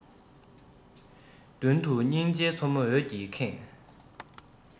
མདུན དུ སྙིང རྗེའི མཚོ མོ འོད ཀྱིས ཁེངས